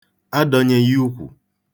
adọnyeghị ukwu